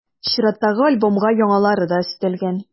Чираттагы альбомга яңалары да өстәлгән.